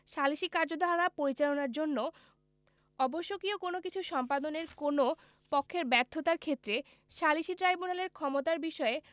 সালিসী কার্যধারা পরিচালনার জন্য অবশ্যকীয় কোন কিছু সম্পাদনের কোন পক্ষের ব্যর্থতার ক্ষেত্রে সালিসী ট্রাইব্যুনালের ক্ষমতার বিষয়ে